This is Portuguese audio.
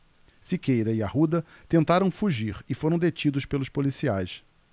siqueira e arruda tentaram fugir e foram detidos pelos policiais